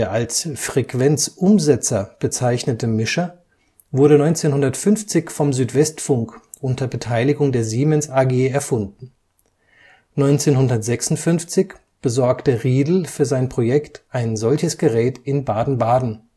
als Frequenzumsetzer bezeichnete Mischer wurde 1950 vom Südwestfunk unter Beteiligung der Siemens AG erfunden. 1956 besorgte Riedl für sein Projekt ein solches Gerät in Baden-Baden